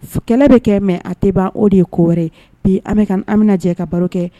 Kɛlɛ bɛ kɛ mɛ a tɛ ban o de ye ko wɛrɛ bi an bɛka ka anmina jɛ ka baro kɛ